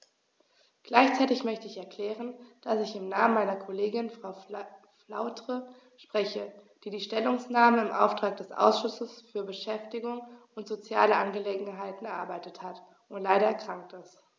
Gleichzeitig möchte ich erklären, dass ich im Namen meiner Kollegin Frau Flautre spreche, die die Stellungnahme im Auftrag des Ausschusses für Beschäftigung und soziale Angelegenheiten erarbeitet hat und leider erkrankt ist.